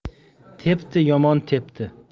tepdi yomon tepdi